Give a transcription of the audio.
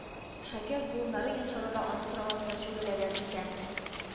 Шакир буыннары йомшаруда аның караватына чүгәләгән икән